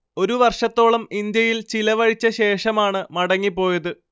ഒരു വർഷത്തോളം ഇന്ത്യയിൽ ചിലവഴിച്ച ശേഷമാണ് മടങ്ങി പോയത്